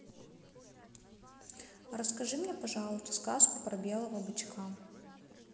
расскажи мне пожалуйста сказку про белого бычка